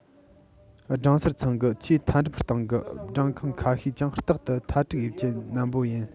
སྦྲང སེར ཚང གི ཆེས མཐའ འགྲམ སྟེང གི སྦྲང ཁང ཁ ཤས ཀྱང རྟག ཏུ མཐའ དྲུག དབྱིབས ཅན ནན པོ ཡིན